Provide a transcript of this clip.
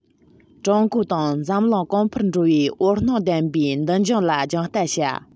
ཀྲུང གོ དང འཛམ གླིང གོང འཕེལ འགྲོ བའི འོད སྣང ལྡན པའི མདུན ལྗོངས ལ རྒྱང ལྟ བྱ